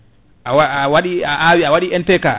a wa a waɗi a awi a waɗi PMK